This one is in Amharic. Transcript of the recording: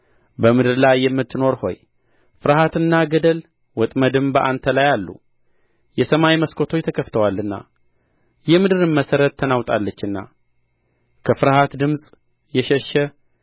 በምድር ላይ የምትኖር ሆይ ፍርሃትና ገደል ወጥመድም በአንተ ላይ አሉ የሰማይ መስኮቶች ተከፍተዋልና የምድርም መሠረት ተናውጣለችና ከፍርሃት ድምፅ የሸሸ